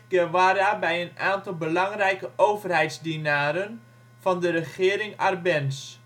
Guevara bij een aantal belangrijke overheidsdienaren van de regering-Arbenz